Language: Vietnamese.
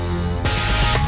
chí